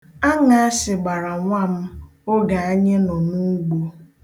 Aṅaashị gbara nwa m oge anyị nọ n'ugbo.